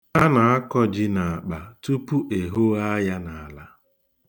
A na-akọ ji n'akpa tupu e hoghaa ya n'ala.